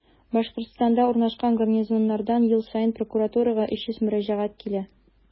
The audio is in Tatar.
Башкортстанда урнашкан гарнизоннардан ел саен прокуратурага 300 мөрәҗәгать килә.